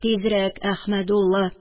Тизрәк, Әхмәдулла.